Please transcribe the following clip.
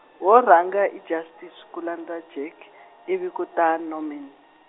wo rhanga i Justice ku landza Jack, ivi ku ta Norman.